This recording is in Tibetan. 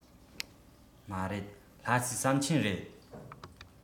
མ རེད ལྷ སའི ཟམ ཆེན རེད